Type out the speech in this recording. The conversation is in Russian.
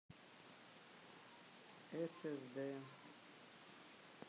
ссд